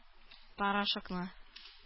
Порошокны